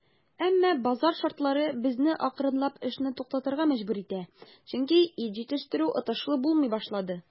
Әмма базар шартлары безне акрынлап эшне туктатырга мәҗбүр итә, чөнки ит җитештерү отышлы булмый башлады.